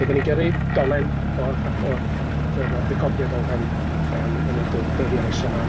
Fydda ni'n gyrru dolen o at o at yr yy recordiad o hyn yn yn y d- dyddiau nesaf 'ma.